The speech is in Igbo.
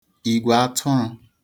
ìgwè aṭụrụ̄